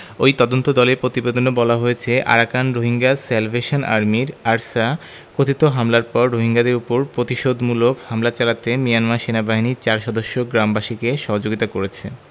ওই তদন্তদলের প্রতিবেদনে বলা হয়েছে আরাকান রোহিঙ্গা স্যালভেশন আর্মির আরসা কথিত হামলার পর রোহিঙ্গাদের ওপর প্রতিশোধমূলক হামলা চালাতে মিয়ানমার সেনাবাহিনীর চারজন সদস্য গ্রামবাসীকে সহযোগিতা করেছে